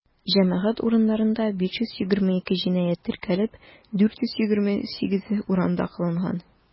Җәмәгать урыннарында 522 җинаять теркәлеп, 428-е урамда кылынган.